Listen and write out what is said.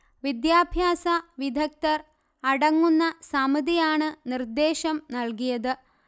വിദ്യാഭ്യാസ വിദഗ്ധർ അടങ്ങുന്ന സമിതിയാണ് നിർദ്ദേശം നല്കിയത്